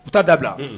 U taa dabila